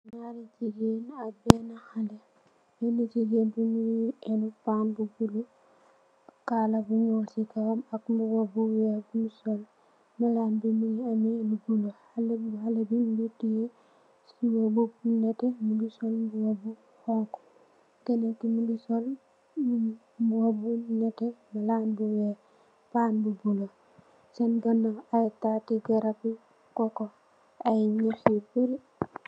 Ñaari jigeen ak beenë xalé, beenë jigéen mu ngi ennu paan bu bulo, sol kaala bu ñuul, ak mbuba bu weex bim sol, malaan bu ñuul bu am lu bulo, xalé bu jigéen bi, mu ngi tiye siwo bu nette, mu ngi sol mbuba bu xonxu, kenen ki mu ngi sol mbuba bu nette, malaan bu weex, paan bu bulo. Seen ganaaw, ay taati garabi kokko.